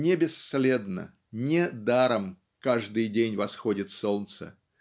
Не бесследно, не даром каждый день восходит солнце.